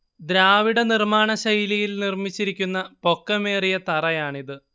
ദ്രാവിഡ നിർമ്മാണശൈലിയിൽ നിർമ്മിച്ചിരിക്കുന്ന പൊക്കമേറിയ തറയാണിത്